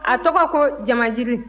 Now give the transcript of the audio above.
a togo ko jamajiri